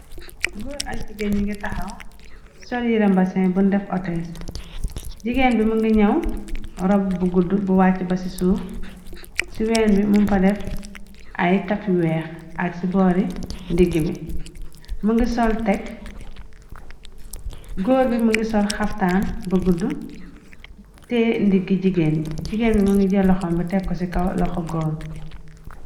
góor ak jigéen ñu ngi taxaw sol yirembasin bu ndef otes jigéen bi më nga ñaw rob bu gudd bu wàcc ba ci suuf si ween bi mum fa def ay tafi weex ak ci boori ndigg bi góor bi më ngi sol xaftaan bu gudd te ndiggi jigéen bi jigéen bi më ngi jëlloxom bi tekko ci kaw loxo góor